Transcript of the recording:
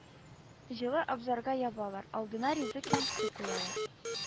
Җылы абзарга ябалар, алдына ризык һәм су куялар